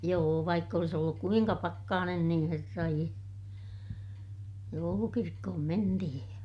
joo vaikka olisi ollut kuinka pakkanen niin herra ie joulukirkkoon mentiin ja